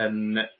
yn